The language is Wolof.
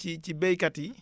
ci ci béykat yi